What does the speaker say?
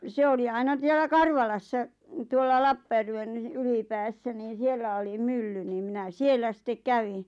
se oli aina siellä Karvalassa tuolla Lappajärven Ylipäässä niin siellä oli mylly niin minä siellä sitten kävin